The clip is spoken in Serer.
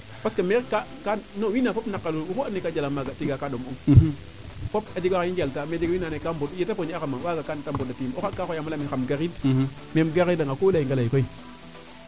parce que maire non wiin waa fop naqarlu wun oxu ando naye ka jala maag tiya ka ndom ong fop a jega xaa i njaltaa mais a jega wiin wa ando nayee yete poñe axama kaa ndeta mbond a ciiñ o xaaga ka xoyama leyaame xam gariid mais im garida nga ku leynga ley koy